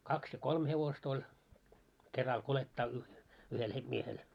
kaksi ja kolme hevosta - oli keralla kuljettaa - yhdellä - miehellä